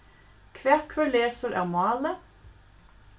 hvat hvør lesur av máli